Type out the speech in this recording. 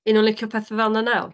Yw nhw'n licio pethe fel 'na nawr?